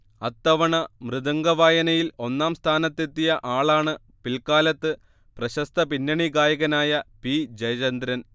അത്തവണ മൃദംഗവായനയിൽ ഒന്നാം സ്ഥാനത്തെത്തിയ ആളാണ് പിൽക്കാലത്ത് പ്രശസ്ത പിന്നണി ഗായകനായ പി. ജയചന്ദ്രൻ